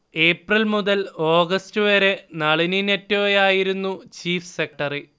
April മുതൽ August വരെ നളിനി നെറ്റോയായിരുന്നു ചീഫ് സെക്രട്ടറി